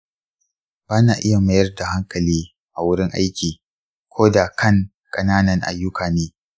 ba na iya mayar da hankali a wurin aiki ko da kan ƙananan ayyuka ne.